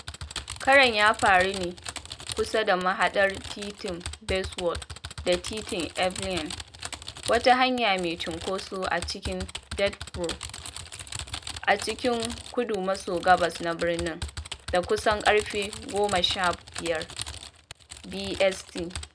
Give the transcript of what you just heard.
Karon ya faru ne kusa da mahaɗar Titin Bestwood da Titin Evelyn, wata hanya mai cunkoso a cikin Deptford, a cikin kudu-maso-gabas na birnin, da kusan ƙarfe 10:15 BST.